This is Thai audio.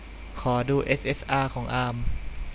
ขอดูเอสเอสอาของอาม